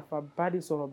Nafa ba de sɔrɔ.